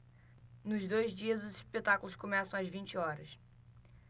nos dois dias os espetáculos começam às vinte horas